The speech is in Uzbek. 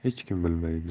singanini hech kim bilmaydi